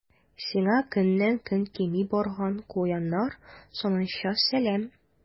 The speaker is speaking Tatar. Сиңа көннән-көн кими барган куяннар санынча сәлам.